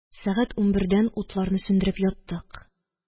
Сәгать унбердән утларны сүндереп яттык.